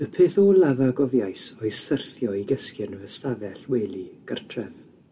Y peth olaf a gofiais oedd syrthio i gysgu yn fy stafell wely gartre.